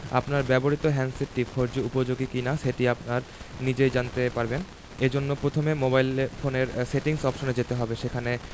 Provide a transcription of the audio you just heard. আপনার ব্যবহৃত হ্যান্ডসেটটি ফোরজি উপযোগী কিনা সেটি আপনি নিজেই জানতে পারবেন এ জন্য প্রথমে মোবাইল ফোনের সেটিংস অপশনে যেতে হবে সেখানে